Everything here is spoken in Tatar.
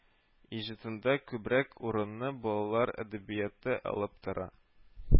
Иҗатында күбрәк урынны балалар әдәбияты алып тора